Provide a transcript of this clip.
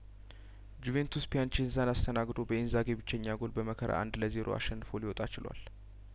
ጁቬንቱስ ፒያንቼንዛን አስተናግዶ በኢንዛጌ ብቸኛ ጐል በመከራ አንድ ለዜሮ አሸንፎ ሊወጣችሏል